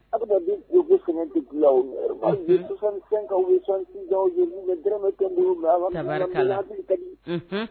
Aw bɛ bi u bɛ sɛgɛntigi bi aw ka2 dmɛ min la